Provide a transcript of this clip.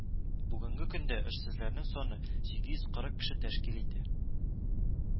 Бүгенге көндә эшсезләрнең саны сигез йөз кырык кеше тәшкил итә